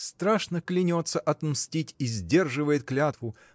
страшно клянется отмстить и сдерживает клятву